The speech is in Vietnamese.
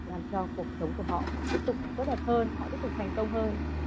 làm cho cuộc sống của họ tiếp tục tốt đẹp hơn họ tiếp tục thành công hơn